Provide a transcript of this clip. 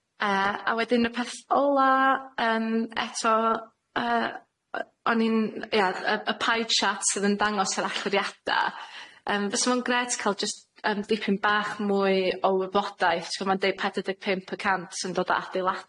Yy a wedyn y peth ola' yym eto yy yy o'n i'n ia y y pie chart sydd yn dangos yr alluriada yym fysa fo'n grêt ca'l jyst yym dipyn bach mwy o wybodaeth t'bod ma'n deud pedwar deg pump y cant sy'n dod â adeilada.